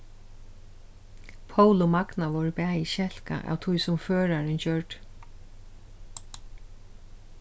pól og magna vóru bæði skelkað av tí sum førarin gjørdi